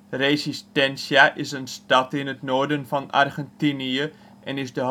Resistencia is een stad in het noorden van Argentinië en is de